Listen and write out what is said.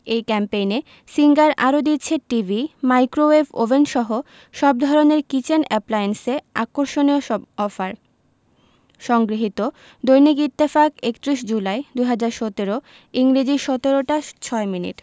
এই ক্যাম্পেইনে সিঙ্গার আরো দিচ্ছে টিভি মাইক্রোওয়েভ ওভেনসহ সব ধরনের কিচেন অ্যাপ্লায়েন্সে আকর্ষণীয় সব অফার সংগৃহীত দৈনিক ইত্তেফাক ৩১ জুলাই ২০১৭ ইংরেজি ১৭ টা ৬ মিনিট